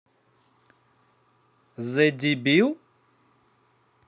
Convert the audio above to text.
the дибил